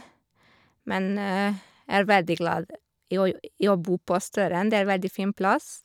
Men er veldig glad i å jo i å bo på Støren, det er veldig fin plass.